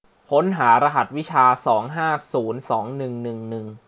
ค้นหารหัสวิชาสองห้าศูนย์สองหนึ่งหนึ่งหนึ่ง